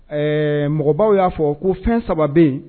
Ɛɛ mɔgɔbaw y'a fɔ ko fɛn saba bɛ yen